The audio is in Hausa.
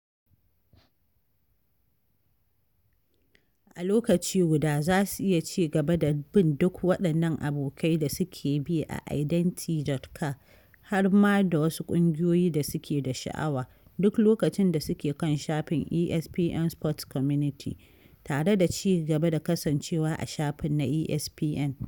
A lokaci guda, za su iya ci gaba da bin duk waɗannan abokai da suke bi a Identi.ca har ma da wasu ƙungiyoyi da suke da sha’awa, duk lokacin da suke kan shafin ESPN sports community, tare da ci gaba da kasancewa a shafin na ESPN.